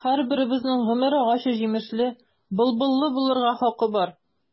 Һәрберебезнең гомер агачы җимешле, былбыллы булырга хакы бар.